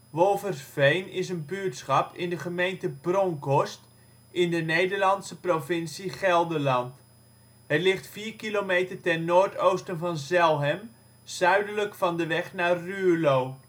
Wolversveen is een buurtschap in de gemeente Bronckhorst in de Nederlandse provincie Gelderland. Het ligt vier kilometer ten noordoosten van Zelhem zuidelijk van de weg naar Ruurlo